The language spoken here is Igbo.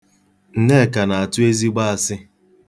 Nneka na-atụ ezigbo asị.